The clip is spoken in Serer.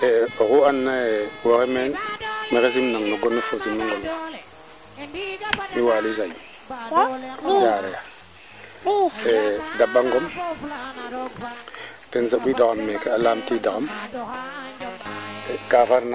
i mbada i ngesa nga njasa boo midi mbaa une heure i ngat kaaga i yartu mbiyan bo ngola tuub a xelna ko fadaa i mokna njas seend kan